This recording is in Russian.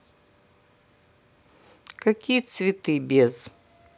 какие цветы без